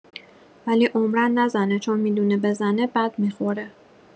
ولی عمرا نزنه چون می‌دونه بزنه بد می‌خوره